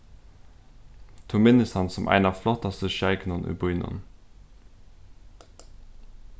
tú minnist hann sum ein av flottastu sjeikunum í býnum